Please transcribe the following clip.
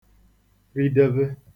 ridebe